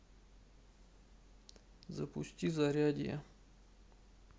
запусти зарядье